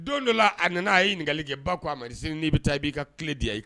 Don dɔ la a nana a y yei ɲininkali kɛ ba ko a mari sini n'i bɛ taa i b'i ka tile di ye